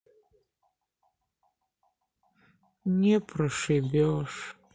не прошибешь